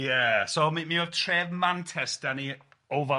Ie, so mi mi oedd tref Mantes dan ni ofal o de m-hm.